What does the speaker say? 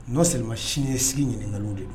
N'o se ma sini sigi ɲininka de don